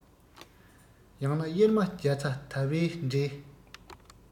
ཡང ན གཡེར མ རྒྱ ཚྭ དྭ བའི འབྲས